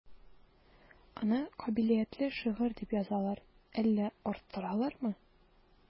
Аны кабилиятле шагыйрь дип язалар, әллә арттыралармы?